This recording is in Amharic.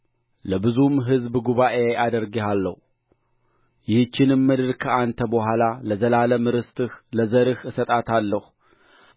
ለብዙም ሕዝብ ጉባኤ አደርግሃለሁ ይህችንም ምድር ከአንተ በኋላ ለዘላለም ርስት ለዘርህ እሰጣታለሁ